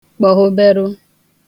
kpọ̀huberụ